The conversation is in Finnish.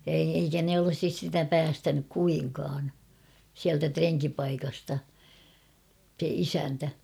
ja ei eikä ne olisi sitä päästänyt kuinkaan sieltä renkipaikasta se isäntä